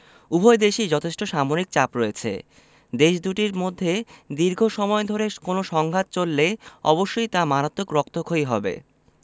উভয় দেশেই যথেষ্ট সামরিক চাপ রয়েছে দেশ দুটির মধ্যে দীর্ঘ সময় ধরে কোনো সংঘাত চললে অবশ্যই তা মারাত্মক রক্তক্ষয়ী হবে